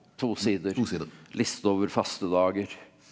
to sider sider liste over fastedager.